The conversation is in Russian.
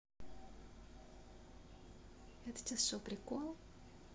это сейчас что прикол